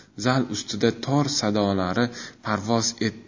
zal ustida tor sadolari parvoz etdi